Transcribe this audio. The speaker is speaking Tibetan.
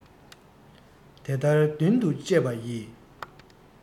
དེ ལྟར རྒྱུན དུ སྤྱད པ ཡིས